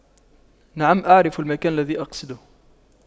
نعم أعرف المكان الذي أقصده